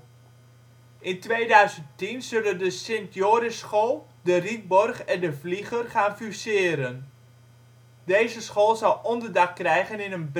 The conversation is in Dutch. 2010 zullen de Sint Jorisschool, de Rietborgh en De Vlieger gaan fuseren. Deze school zal onderdak krijgen